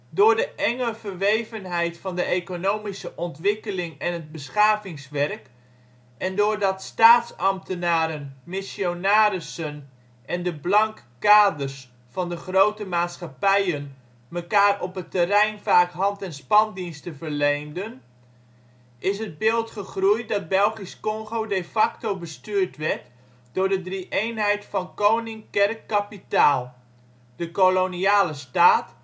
Door de enge verwevenheid van de economische ontwikkeling en het ' beschavingswerk ', en doordat staatsambtenaren, missionarissen en de blanke kaders van de grote maatschappijen mekaar op het terrein vaak hand-en-span diensten verleenden, is het beeld gegroeid dat Belgisch-Kongo de facto bestuurd werd door de drie-eenheid van Koning-Kerk-Kapitaal (de koloniale staat